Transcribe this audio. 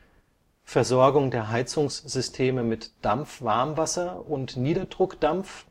Versorgung der Heizungssysteme mit Dampfwarmwasser und Niederdruckdampf